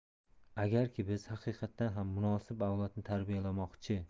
agarki biz haqiqatan ham munosib avlodni tarbiyalamoqchi